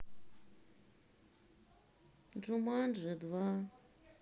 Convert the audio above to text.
джуманджи два